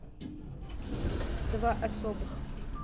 два особых